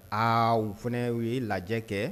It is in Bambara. Aa u fana u ye lajɛ kɛ